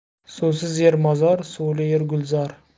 suvsiz yer mozor suvli yer gulzor